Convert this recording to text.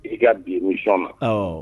I ka bi ni ma